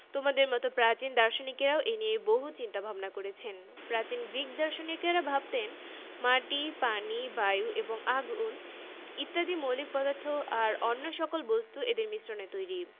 crane যখন কোনো কিছুকে টেনে তুলে সেটা একটা বল একটুখানি সময় দিলেই এ রকম নানা ধরনের বলের তোমরা একটা বিশাল তালিকা তৈরি করতে পারবে